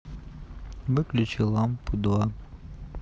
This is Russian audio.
выключи лампу два